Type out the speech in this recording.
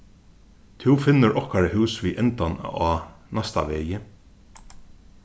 tú finnur okkara hús við endan á næsta vegi